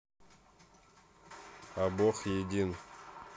а бог един